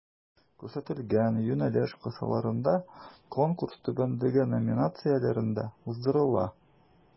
Күрсәтелгән юнәлеш кысаларында Конкурс түбәндәге номинацияләрдә уздырыла: